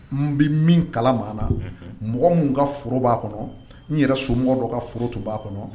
N bɛ min kala maa na mɔgɔ min ka foro b'a kɔnɔ n yɛrɛ somɔgɔ dɔ ka foro tun b'a kɔnɔ